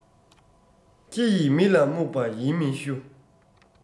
ཁྱི ཡིས མི ལ རྨུགས པ ཡིན མི ཞུ